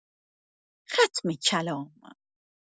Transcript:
ختم کلام!